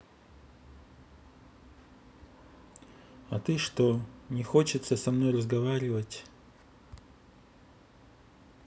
а ты что не хочеться мной разговаривать